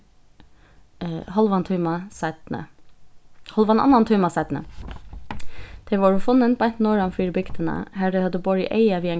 hálvan tíma seinni hálvan annan tíma seinni tey vóru funnin beint norðan fyri bygdina har tey høvdu borið eyga við ein